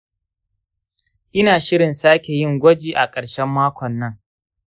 ina shirin sake yin gwaji a ƙarshen makon nan.